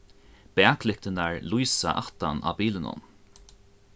baklyktirnar lýsa aftan á bilinum